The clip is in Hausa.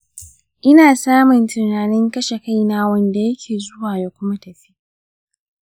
ina samun tunanin kashe kaina wanda yake zuwa ya kuma tafi.